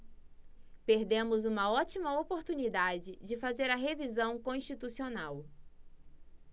perdemos uma ótima oportunidade de fazer a revisão constitucional